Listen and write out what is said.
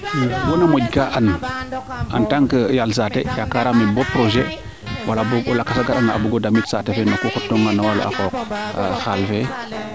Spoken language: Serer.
wona moƴ kaa an en que yaal saate yaaka raame bo projet wala boog o lakas a gara nga a bugo damit saate feene xot toona no walu a qooq xaal fe